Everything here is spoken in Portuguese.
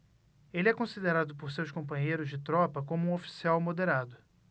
ele é considerado por seus companheiros de tropa como um oficial moderado